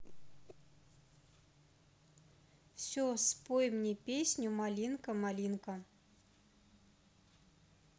все спой мне песню малинка малинка